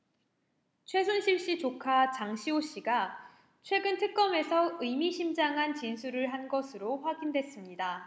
최순실 씨 조카 장시호 씨가 최근 특검에서 의미심장한 진술을 한 것으로 확인됐습니다